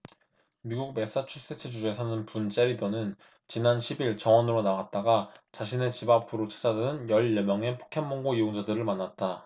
미국 매사추세츠주에 사는 분 셰리던은 지난 십 일 정원으로 나갔다가 자신의 집 앞으로 찾아든 열 여명의 포켓몬 고 이용자들을 만났다